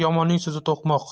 yomonning so'zi to'qmoq